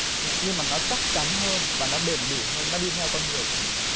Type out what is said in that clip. nhưng mà nó chắc chắn hơn và nó bền bỉ hơn nó đi theo con người của mình